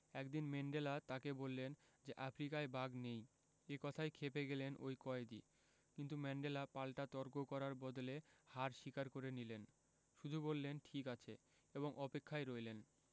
একদিন ম্যান্ডেলা তাঁকে বললেন যে আফ্রিকায় বাঘ নেই এ কথায় খেপে গেলেন ওই কয়েদি কিন্তু ম্যান্ডেলা পাল্টা তর্ক করার বদলে হার স্বীকার করে নিলেন শুধু বললেন ঠিক আছে এবং অপেক্ষায় রইলেন